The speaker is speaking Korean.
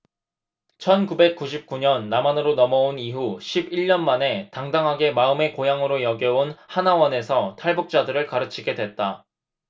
천 구백 구십 구 년 남한으로 넘어온 이후 십 일 년 만에 당당하게 마음의 고향으로 여겨온 하나원에서 탈북자들을 가르치게 됐다